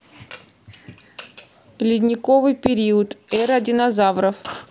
ледниковый период эра динозавров